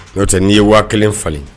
Ɲɔtɛ n'i ye waa kelen falen